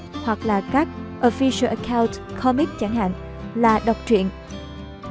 hoặc các official account comic chẳng hạn là đọc chuyện